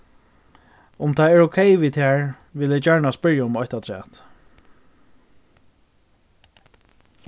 um tað er ókey við tær vil eg gjarna spyrja um eitt afturat